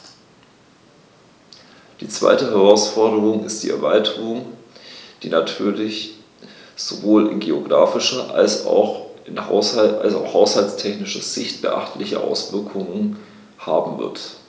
Die zweite Herausforderung ist die Erweiterung, die natürlich sowohl in geographischer als auch haushaltstechnischer Sicht beachtliche Auswirkungen haben wird.